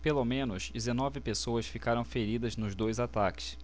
pelo menos dezenove pessoas ficaram feridas nos dois ataques